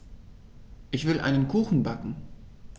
Ich will einen Kuchen backen.